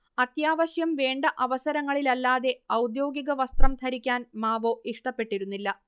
അത്യാവശ്യം വേണ്ട അവസരങ്ങളില്ലല്ലാതെ ഔദ്യോഗിക വസ്ത്രം ധരിക്കാൻ മാവോ ഇഷ്ടപ്പെട്ടിരുന്നില്ല